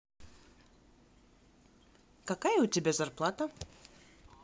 какая у тебя зарплата